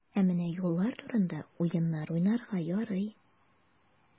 Ә менә юллар турында уеннар уйнарга ярый.